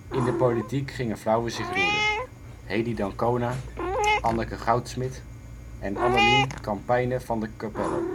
In de politiek gingen vrouwen zich roeren: Hedy d'Ancona, Anneke Goudsmit, Annelien Kappeyne van de Coppello